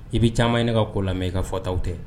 I bɛ caman i ka ko la i ka fɔtaw tɛ